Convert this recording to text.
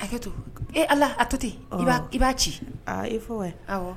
Hakɛto, e Ala, a to ten, ɔhɔ, i b'a ci, a! i fo wɛ, awɔ